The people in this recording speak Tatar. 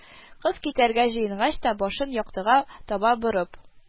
Кыз китәргә җыенгач та, башын яктыга таба борып: